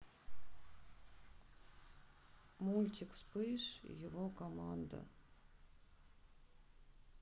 мультик вспыш и его команда